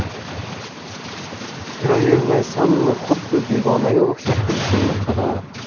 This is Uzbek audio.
kiravermaysanmi xuddi begonaga o'xshab turishingni qara